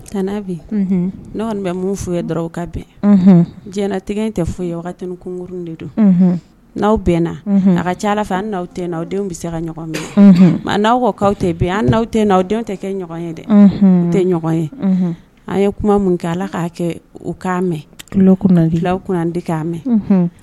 Bi bɛ f dɔrɔn ka bɛn diɲɛ tɛ tɛ foyi yekunkuruurun de don n' aw bɛnna a ka ca ala fɛ n'aw tɛ aw denw bɛ se ka mɛ n'aw kɔkaw tɛ bɛn an n' aw tɛ n aw denw tɛ kɛ ɲɔgɔn ye dɛ tɛ ɲɔgɔn ye an ye kuma min kɛ ala k'a kɛ u k' mɛnlaw kun an de k' mɛn